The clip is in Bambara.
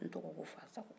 n tɔgɔ ko fa sago